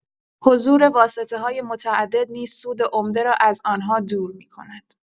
حضور واسطه‌های متعدد نیز سود عمده را از آن‌ها دور می‌کند.